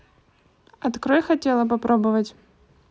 открой хотела попробовать